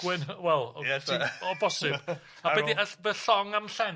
Gwenhy- wel o ie ti'n o bosib ar ôl... A be di y ll- fy llong a'm llen?